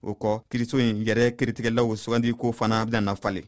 o kɔ kiiriso in yɛrɛ kiiritigɛlaw sugandiko fana bɛna falen